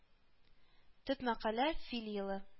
Төп мәкалә: Фил елы